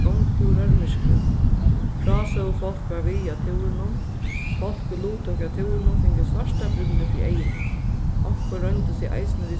gongutúrar í myrkri frásøgufólk var við á túrinum fólk ið luttóku á túrinum fingu svartar brillur fyri eyguni onkur royndi seg eisini við